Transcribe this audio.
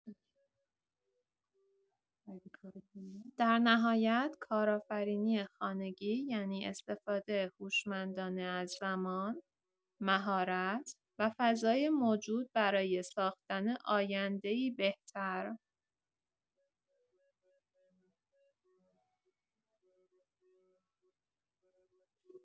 در نهایت، کارآفرینی خانگی یعنی استفاده هوشمندانه از زمان، مهارت و فضای موجود برای ساختن آینده‌ای بهتر.